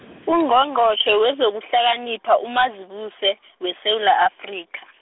Ungqongqotjhe wezokuhlakanipha uMazibuse , weSewula Afrika.